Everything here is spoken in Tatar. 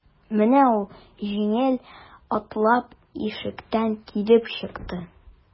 Менә ул җиңел атлап ишектән килеп чыкты.